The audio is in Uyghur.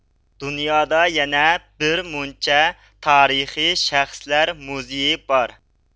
دۇنيادا يەنە بىرمۇنچە تارىخىي شەخسلەر مۇزېيى بار